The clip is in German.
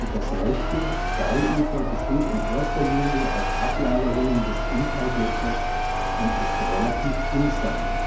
Das rechte (Steil -) Ufer besteht in erster Linie aus Ablagerungen des Inntalgletschers und ist relativ instabil